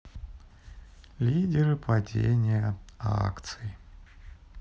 лидеры падения акций